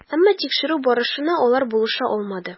Әмма тикшерү барышына алар булыша алмады.